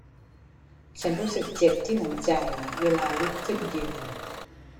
ฉันรู้สึกเจ็บที่หัวใจเวลาลุกขึ้นยืน